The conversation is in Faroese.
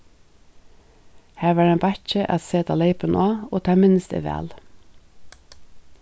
har var ein bakki at seta leypin á og tað minnist eg væl